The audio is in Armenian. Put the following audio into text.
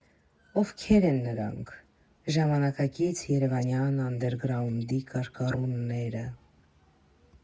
Ովքե՞ր են նրանք՝ ժամանակակից երևանյան անդերգրաունդի կարկառունները։